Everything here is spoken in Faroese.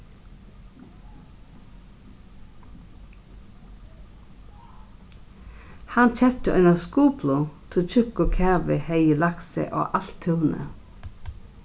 hann keypti eina skuplu tí tjúkkur kavi hevði lagt seg á alt túnið